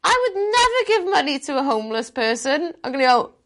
I would never give money to a homeless person ag o'n i fel